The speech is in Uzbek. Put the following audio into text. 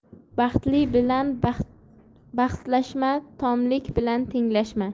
baxtli bilan bahslashma tomlik bilan tenglashma